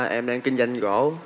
em đang kinh doanh gỗ